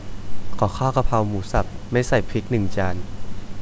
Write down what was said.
ขอข้าวกะเพราหมูสับไม่ใส่พริกหนึ่งจาน